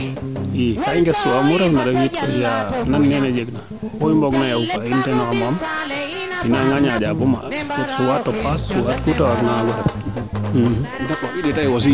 i ka i ngestu waa mu ref na ref de yaa nan neene jeg na pour i mbog naye ten xupu in xam xam i nanga ñaanja soit o paas soit kute waag na waago ref